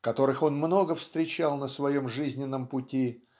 которых он много встречал на своем жизненном пути